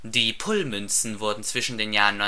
Die Pulmünzen wurden zwischen den Jahren